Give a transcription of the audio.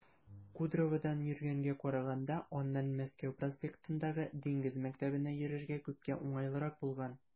Кудроводан йөргәнгә караганда аннан Мәскәү проспектындагы Диңгез мәктәбенә йөрергә күпкә уңайлырак булган.